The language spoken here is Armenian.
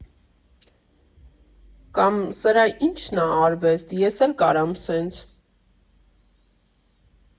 Կամ՝ «սրա ի՞նչն ա արվեստ, ես էլ կարամ սենց»։